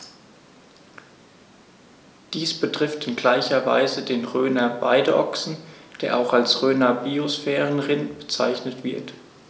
Dies betrifft in gleicher Weise den Rhöner Weideochsen, der auch als Rhöner Biosphärenrind bezeichnet wird.